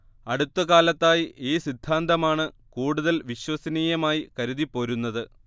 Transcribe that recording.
അടുത്ത കാലത്തായി ഈ സിദ്ധാന്തമാണ് കൂടുതൽ വിശ്വസനീയമായി കരുതിപ്പോരുന്നത്